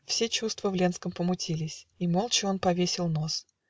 Все чувства в Ленском помутились, И молча он повесил нос.